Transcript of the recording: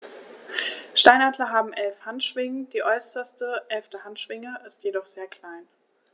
Steinadler haben 11 Handschwingen, die äußerste (11.) Handschwinge ist jedoch sehr klein.